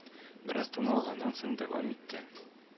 Бераз тын алганнан соң дәвам итте